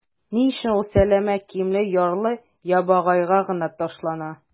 Ни өчен ул сәләмә киемле ярлы-ябагайга гына ташлана?